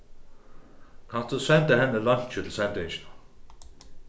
kanst tú senda henni leinkið til sendingina